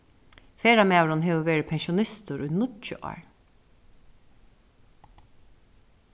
ferðamaðurin hevur verið pensjonistur í níggju ár